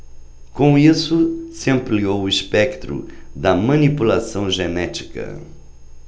com isso se ampliou o espectro da manipulação genética